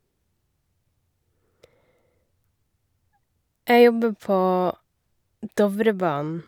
Jeg jobber på Dovrebanen.